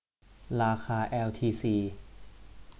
ราคาแอลทีซี